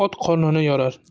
ot qornini yorar